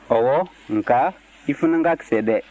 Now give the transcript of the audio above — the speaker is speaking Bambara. ɔwɔ nka i fana ka kisɛ dɛ